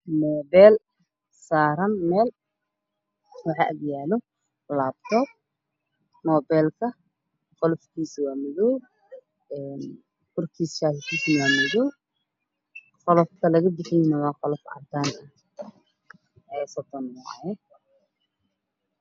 Waa mubeel saaran miis midabkiis yahay madow waxaa og yahay laptop madow mobeel madow mobeelka qolfka kaga bixiyey waa ee sodon